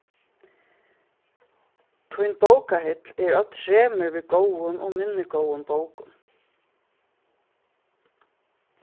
tín bókahill er á tremur við góðum og minni góðum bókum